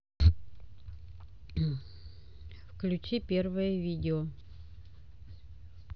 включи первое видео